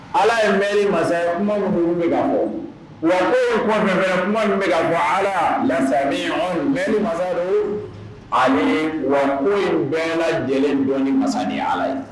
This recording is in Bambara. Ala ye masa minnu bɛ ka fɔ wa ye kuma bɛ ka bɔ ala la masa ayi wa ko in bɛɛ lajɛlen dɔ ni masani ala ye